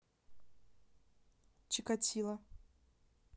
чикотило